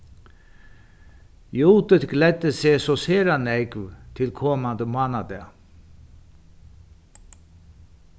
judit gleddi seg so sera nógv til komandi mánadag